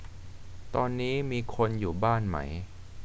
ตอนนี้มีคนอยู่บ้านไหม